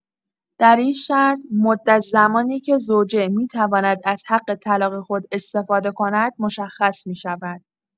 در این شرط، مدت زمانی‌که زوجه می‌تواند از حق طلاق خود استفاده کند، مشخص می‌شود.